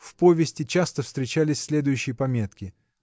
В повести часто встречались следующие отметки